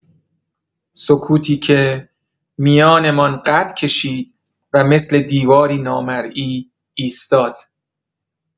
سکوتی که میانمان قد کشید و مثل دیواری نامرئی ایستاد.